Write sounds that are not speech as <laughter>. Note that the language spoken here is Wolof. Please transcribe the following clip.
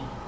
<hesitation> <hesitation>